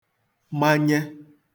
manye